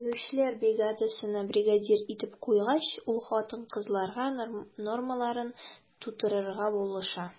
Тегүчеләр бригадасына бригадир итеп куйгач, ул хатын-кызларга нормаларын тутырырга булыша.